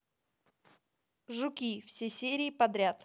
жуки все серии подряд